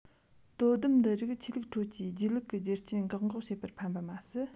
དོ དམ འདི རིགས ཆོས ལུགས ཁྲོད ཀྱི སྒྱིད ལུག གི རྒྱུ རྐྱེན བཀག འགོག བྱེད པར ཕན པ མ ཟད